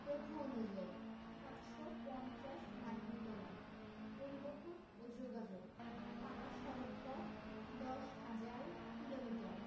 তথ্য অনুযায়ী ৭৫০ মার্কিন ডলার পরিবহণ ও যোগাযোগঃ পাকা সড়কপথ ১০হাজার কিলোমিটার